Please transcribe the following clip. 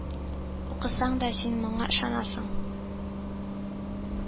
Укысаң да, син моңа ышанасың